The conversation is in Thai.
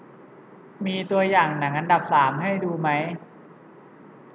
มีตัวอย่างหนังอันดับสามให้ดูไหม